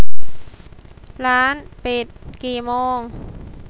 ร้านปิดกี่โมง